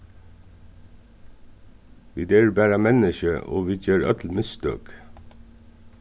vit eru bara menniskju og vit gera øll mistøk